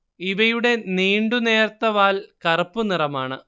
ഇവയുടെ നീണ്ടു നേർത്ത വാൽ കറുപ്പു നിറമാണ്